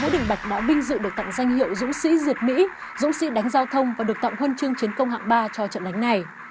vũ đình bạch đã vinh dự được tặng danh hiệu dũng sĩ diệt mỹ dũng sĩ đánh giao thông và được tặng huân chương chiến công hạng ba cho trận đánh này